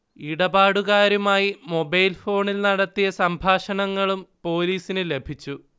ഇടപാടുകാരുമായി മൊബൈൽഫോണിൽ നടത്തിയ സംഭാഷണങ്ങളും പോലീസിന് ലഭിച്ചു